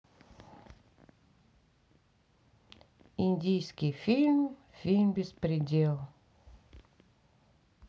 индийский фильм фильм беспредел